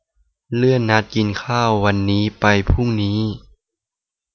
เลื่อนนัดกินข้าววันนี้ไปพรุ่งนี้